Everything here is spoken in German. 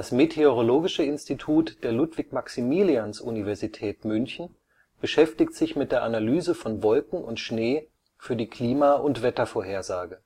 Meteorologische Institut der Ludwig-Maximilians-Universität München beschäftigt sich mit der Analyse von Wolken und Schnee für die Klima - und Wettervorhersage